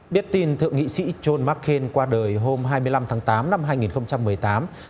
biết tin thượng nghị sĩ giôn mắc kên qua đời hôm hai mươi lăm tháng tám năm hai nghìn không trăm mười tám